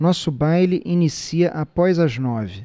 nosso baile inicia após as nove